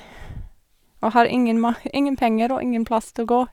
Og har ingen ma ingen penger og ingen plass til å gå.